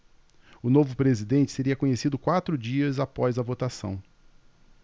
o novo presidente seria conhecido quatro dias após a votação